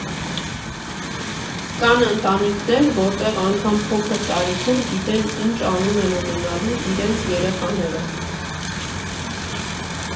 Կան ընտանիքներ, որտեղ անգամ փոքր տարիքում գիտեն ինչ անուն են ունենալու իրենց երեխաները։